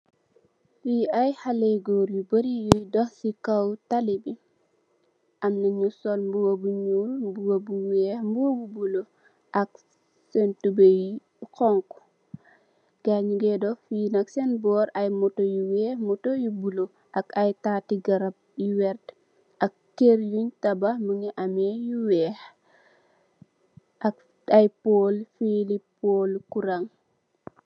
Fii ay xalee góor yu barri yuy dox si kow tali bi, am ñu sol mbuba bu ñuul, mbuba bu weex, mbuba bu bulo, seen tubooy, xoñxu, gaayi ñu ngee dox... otto yu weex,"motto" yu, bulo ak ay, taati garab, yu werta, kér yuñ tabax mu ngi amee, yu weex, ak ay pool, fiili kuran.